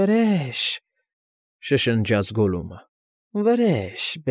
Վրեժ,֊ շշնջաց Գոլլումը։֊ Վրեժ։